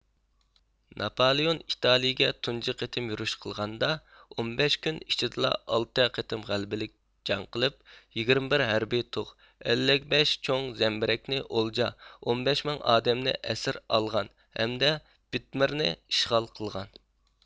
ناپالېئون ئىتالىيىگە تۇنجى قېتىم يۈرۈش قىلغاندا ئون بەش كۈن ئىچىدىلا ئالتە قېتىم غەلىبىلىك جەڭ قىلىپ يىگىرمە بىر ھەربىي تۇغ ئەللىك بەش چوڭ زەمبىرەكنى ئولجا ئون بەش مىڭ ئادەمنى ئەسىر ئالغان ھەمدە پىدمېرنى ئىشغال قىلغان